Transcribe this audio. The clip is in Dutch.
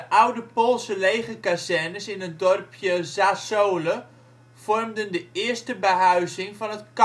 oude Poolse legerkazernes in het dorpje Zasole vormden de eerste behuizing van het kampcomplex